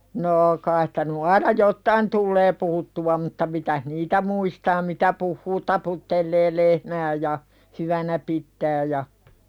no kai sitä nyt aina jotakin tulee puhuttua mutta mitä niitä muistaa mitä puhuu taputtelee lehmää ja hyvänä pitää ja